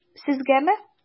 Сезгәме?